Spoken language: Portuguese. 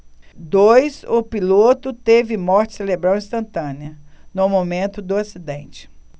dois o piloto teve morte cerebral instantânea no momento do acidente